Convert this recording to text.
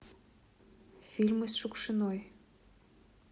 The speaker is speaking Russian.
фильмы с шукшиной